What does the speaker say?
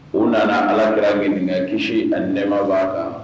U nana ala kɛra g kisi ani nɛma b'a kan